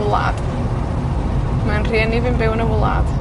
wlad. Mae 'yn rhieni fi'n byw yn y wlad.